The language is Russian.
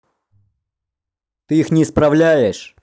ты их не исправляешь